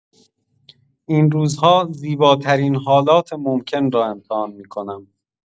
این روزها زیباترین حالات ممکن را امتحان می‌کنم.